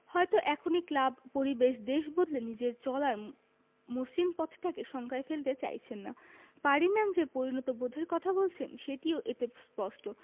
হয়তো এখনই ক্লাব পরিবেশ দেশ বদলে নিজের চলার মসৃণ পথটাকে শঙ্কায় ফেলতে চাইছেন না ফার্ডিনান্ড যে পরিণতিবোধের কথা বলেছেন সেটিও এতে স্পষ্ট